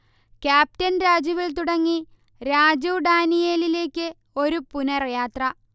captain രാജുവിൽ തുടങ്ങി രാജു ഡാനിയേലിലേക്ക് ഒരു പുനർയാത്ര